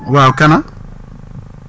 waa kana